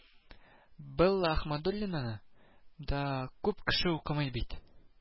Белла Ахмадуллинаны да күп кеше укымый бит